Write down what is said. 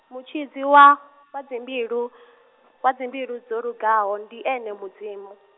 mutshidzi wa, wa dzimbilu, wa dzimbilu dzolugaho, ndi ene Mudzimu.